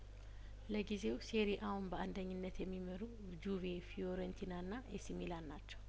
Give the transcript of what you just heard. ለጊዜው ሲሪ አውን በአንደኝነት የሚመሩ ጁቬ ፊዮረንቲናና ኤሲ ሚላን ናቸው